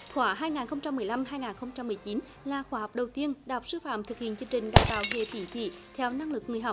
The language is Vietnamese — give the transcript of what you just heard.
khóa hai ngàn không trăm mười lăm hai ngàn không trăm mười chín là khóa học đầu tiên đại học sư phạm thực hiện chương trình đào tạo hệ tín chỉ theo năng lực người học